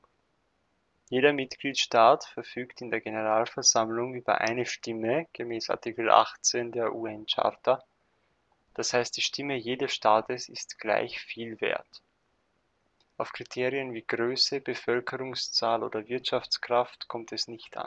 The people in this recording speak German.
Jeder Mitgliedsstaat verfügt in der Generalversammlung über eine Stimme (Art. 18 UN-Charta), d.h. die Stimme jedes Staates ist gleich viel wert. Auf Kriterien wie Größe, Bevölkerungszahl oder Wirtschaftskraft kommt es nicht